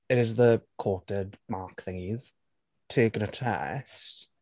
It is the, quoted mark thingies, taking a test...